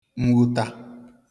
mwuta